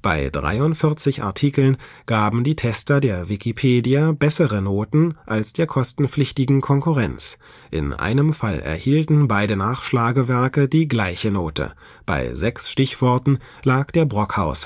Bei 43 Artikeln gaben die Tester der Wikipedia bessere Noten als der kostenpflichtigen Konkurrenz, in einem Fall erhielten beide Nachschlagewerke die gleiche Note, bei sechs Stichworten lag der Brockhaus